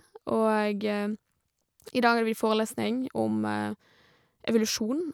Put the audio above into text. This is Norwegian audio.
Og i dag hadde vi forelesning om evolusjon.